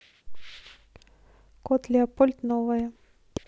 кот леопольд новое